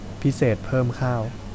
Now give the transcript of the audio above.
พิเศษเพิ่มข้าว